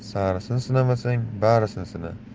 sarisin sinamasang barisin sina